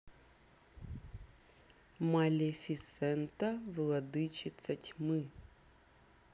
малефисента владычица тьмы